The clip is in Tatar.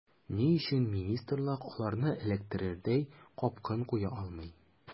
Ни өчен министрлык аларны эләктерердәй “капкан” куя алмый.